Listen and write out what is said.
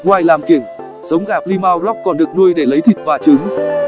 ngoài làm kiểng giống gà plymouth rock còn được nuôi để lấy thịt và trứng